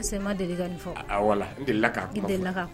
Deli nin